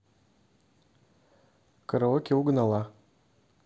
караоке угнала